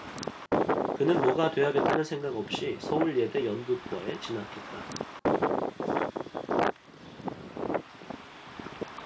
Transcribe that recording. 그는 뭐가 돼야겠다는 생각 없이 서울예대 연극과에 진학했다